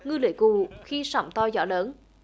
ngư lưới vụ khi sóng to gió lớn